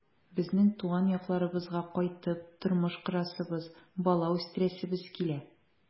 Безнең туган якларыбызга кайтып тормыш корасыбыз, бала үстерәсебез килә.